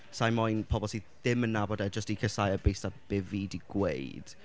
sa i moyn pobl sydd ddim yn nabod e jyst i casáu e based ar be fi 'di gweud.